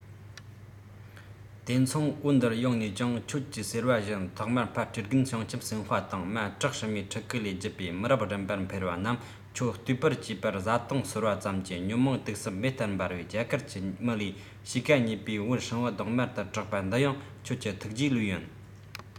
དེ མཚུངས བོད འདིར ཡོང ནས ཀྱང ཁྱོད ཀྱིས ཟེར བ བཞིན ཐོག མར ཕ སྤྲེལ རྒན བྱང ཆུབ སེམས དཔའ དང མ བྲག སྲིན མོའི ཕྲུ གུ ལས བརྒྱུད པའི མི རབས རིམ པར འཕེལ བ རྣམས ཁྱོད བལྟོས པར བཅས པ བཟའ བཏུང གསོལ བ ཙམ གྱིས ཉོན མོངས དུག གསུམ མེ ལྟར འབར བས རྒྱ གར གྱི མི ལས གཤིས ཀ ཉེས པས བོད སྲིན བུ གདོང དམར དུ གྲགས པ འདི ཡང ཁྱོད ཀྱི ཐུགས རྗེ ལོས ཡིན